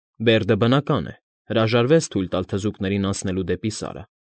Բերդը, բնական է, հրաժարվեց թույլ տալ թզուկներին անցնելու դեպի Սարը։